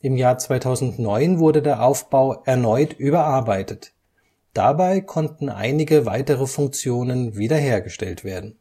Im Jahr 2009 wurde der Aufbau erneut überarbeitet, dabei konnten einige weitere Funktionen wiederhergestellt werden